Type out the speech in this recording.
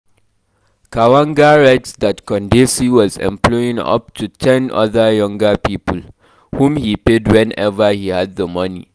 Kawanga writes that Kondesi was employing up to ten other young people, whom he paid whenever he had the money.